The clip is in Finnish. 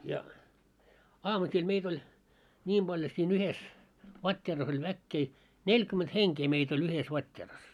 ja aamusilla meitä oli niin paljon siinä yhdessä vatteerassa oli väkeä neljäkymmentä henkeä meitä oli yhdessä vatteerassa